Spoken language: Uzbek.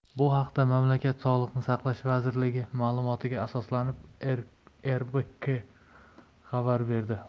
bu haqda mamlakat sog'liqni saqlash vazirligi ma'lumotiga asoslanib rbk xabar berdi